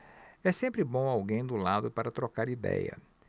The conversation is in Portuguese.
é sempre bom alguém do lado para trocar idéia